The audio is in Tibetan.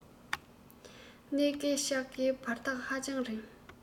གནས བསྐལ ཆགས བསྐལ བར ཐག ཧ ཅང རིང